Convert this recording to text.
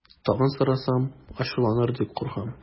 Тагын сорасам, ачуланыр дип куркам.